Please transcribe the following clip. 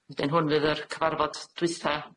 Wedyn hwn fydd yr cyfarfod dwytha